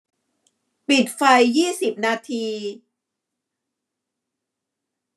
ปิดไฟยี่สิบนาที